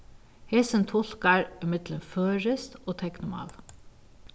hesin tulkar millum føroyskt og teknmál